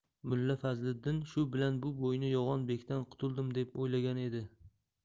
mulla fazliddin shu bilan bu bo'yni yo'g'on bekdan qutuldim deb o'ylagan edi